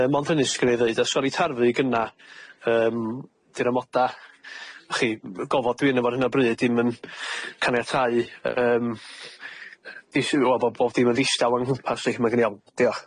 Yy mond hynny sgen i ddeud a sori tarfu gynna yym di'r amoda' chi gofod dwi arno fo ar hyn o bryd dim yn caniatáu yy yym dis- yy wel bo' bob dim yn ddistaw o'n ngwmpas felly ma' gin i ofn, iawn diolch.